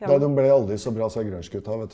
nei dem ble aldri så bra disse grønsjgutta vet du.